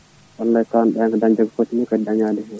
au moins hayso dañje hen ko footi ni kam daña ɗum hen